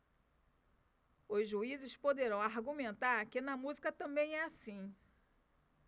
os juízes poderão argumentar que na música também é assim